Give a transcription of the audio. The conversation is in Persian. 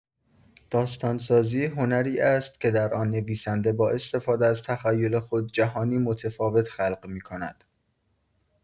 داستان‌سازی هنری است که در آن نویسنده با استفاده از تخیل خود جهانی متفاوت خلق می‌کند.